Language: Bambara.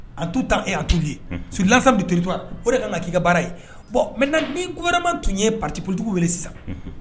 A tuu tan e' tuubi ye sulasan bitiri o de kan ka'i ka baara ye bɔn mɛ ni koɛma tun ye patipolijugu wele sisan